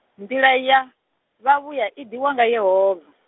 nḓila ya, vha vhuya iḓivhiwa nga Yehova.